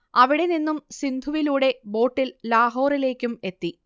അവിടെനിന്നും സിന്ധുവിലൂടെ ബോട്ടിൽ ലാഹോറിലേക്കും എത്തി